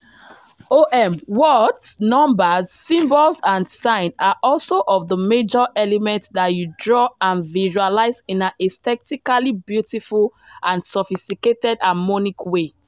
OM: Words, numbers, symbols and signs are some of the major elements that you draw and visualize in an aesthetically beautiful and sophisticated harmonic way.